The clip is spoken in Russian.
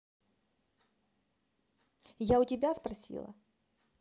я у тебя спросила